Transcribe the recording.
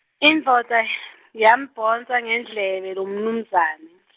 indvodza, yamdvonsa ngendlebe lomnumzane .